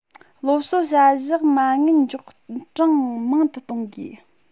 སློབ གསོའི བྱ གཞག ལ མ དངུལ འཇོག གྲངས མང དུ གཏོང དགོས